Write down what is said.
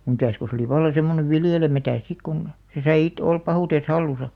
mitäs kun se oli vallan semmoinen viljelemättä sitten kun se sai - olla pahuutensa hallussa